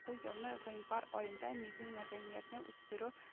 Бу елны гыйнвар аенда милли мәдәниятне үстерү